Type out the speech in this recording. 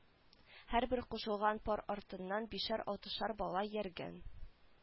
Һәрбер кушылган пар артыннан бишәр-алтышар бала ияргән